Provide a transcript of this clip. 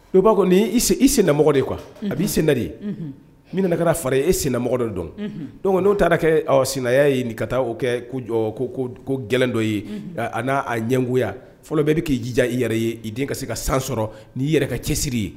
O'a ko n i senmɔgɔ de kuwa a'i senina de n kɛra fara ye e senmɔgɔ de dɔn dɔnku n' taara kɛ senya ye nin ka taa o kɛ ko jɔ ko gɛlɛn dɔ ye a n'a ɲɛgoya fɔlɔ bɛɛ bɛ k' jiija i yɛrɛ ye i den ka se ka san sɔrɔ n'i yɛrɛ ka cɛsiri ye